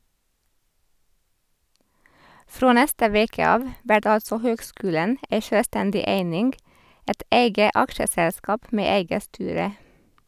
Frå neste veke av vert altså høgskulen ei sjølvstendig eining, eit eige aksjeselskap med eige styre.